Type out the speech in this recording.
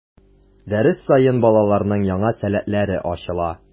Дәрес саен балаларның яңа сәләтләре ачыла.